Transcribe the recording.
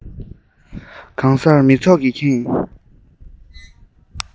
གང སར མི ཚོགས ཀྱིས ཁེངས